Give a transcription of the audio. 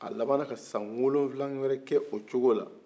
a laban na ka san wolowula wɛrɛ kɛ o cogo la